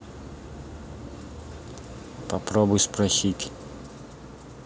попробуй спросить